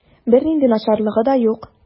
Бернинди начарлыгы да юк.